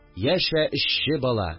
Яшә, эшче бала